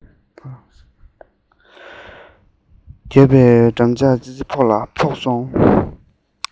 བརྒྱབ པའི འགྲམ ལྕག ཙི ཙི ཕོ ལ ཕོག སོང